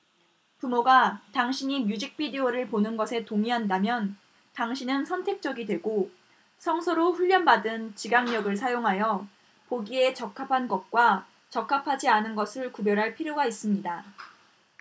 부모가 당신이 뮤직 비디오를 보는 것에 동의한다면 당신은 선택적이 되고 성서로 훈련받은 지각력을 사용하여 보기에 적합한 것과 적합하지 않은 것을 구별할 필요가 있습니다